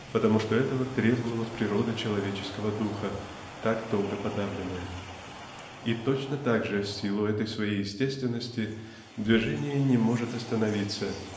потому что этого требовала природа человеческого духа так долго подавленная. И точно так же в силу этой своей естественности движение не может остановиться